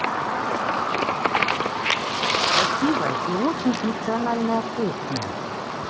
красивая и очень функциональная кухня